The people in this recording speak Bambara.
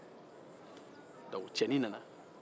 cɛnin nana